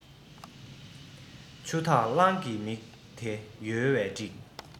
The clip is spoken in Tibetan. ཆུ འཐག གླང གི མིག དེ ཡོལ བས བསྒྲིབས